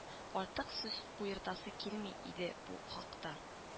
Артык сүз куертасы килми иде бу хакта